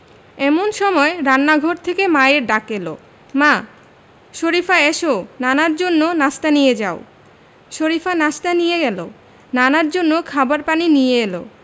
এমন সময় রান্নাঘর থেকে মায়ের ডাক এলো মা শরিফা এসো নানার জন্য নাশতা নিয়ে যাও শরিফা নাশতা নিয়ে এলো নানার জন্য খাবার পানি নিয়ে এলো